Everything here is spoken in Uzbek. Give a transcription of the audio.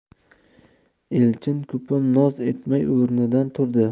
elchin ko'pam noz etmay o'rnidan turdi